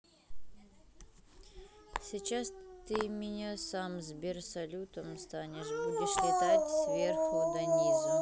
сейчас ты мне сам сбер салютом станешь будешь летать сверху донизу